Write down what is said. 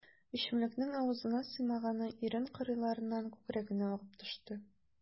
Эчемлекнең авызына сыймаганы ирен кырыйларыннан күкрәгенә агып төште.